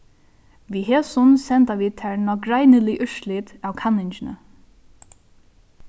við hesum senda vit tær nágreinilig úrslit av kanningini